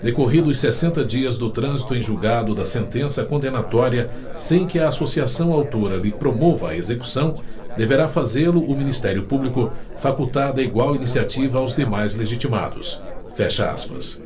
decorridos sessenta dias do trânsito em julgado da sentença condenatória sem que a associação autora lhe promova a execução deverá fazêlo o ministério público facultada igual iniciativa aos demais legitimados fecha aspas